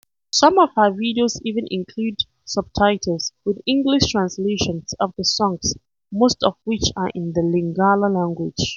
Some of her videos even include subtitles with English translations of the songs most of which are in the Lingala language.